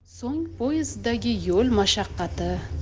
so'ng poyezddagi yo'l mashaqqati